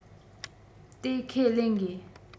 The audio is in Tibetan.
དེ ཁས ལེན དགོས